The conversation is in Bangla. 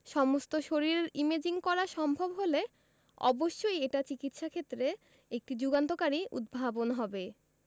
সমস্ত শরীরের ইমেজিং করা সম্ভব হলে অবশ্যই এটা চিকিত্সাক্ষেত্রে একটি যুগান্তকারী উদ্ভাবন হবে